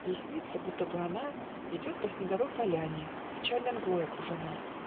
Ей снится, будто бы она Идет по снеговой поляне, Печальной мглой окружена